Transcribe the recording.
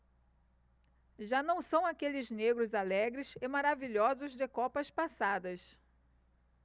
já não são aqueles negros alegres e maravilhosos de copas passadas